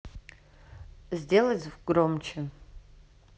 сделать звук погромче